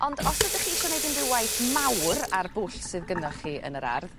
Ond os ydych chi isio neud unrhyw waith mawr ar bwll sydd gynnoch chi yn yr ardd